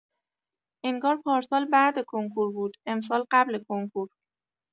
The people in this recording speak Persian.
انگار پارسال بعد کنکور بود، امسال قبل کنکور!